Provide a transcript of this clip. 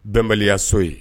Dɔnbaliyaso ye